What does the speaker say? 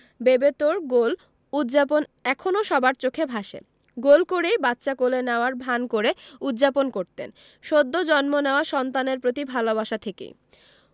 বেবেতোর গোল উদ্ যাপনটা এখনো সবার চোখে ভাসে গোল করেই বাচ্চা কোলে নেওয়ার ভান করে উদ্ যাপন করতেন সদ্য জন্ম নেওয়া সন্তানের প্রতি ভালোবাসা থেকেই